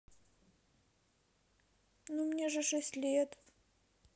ну мне же шесть лет